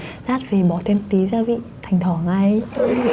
lát về bỏ thêm tí gia vị thành thỏ ngay